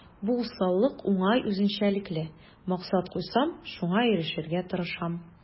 Бу усаллык уңай үзенчәлекле: максат куйсам, шуңа ирешергә тырышам.